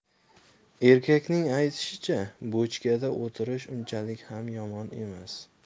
erkakning aytishicha bochkada o'tirish unchalik ham yomon emas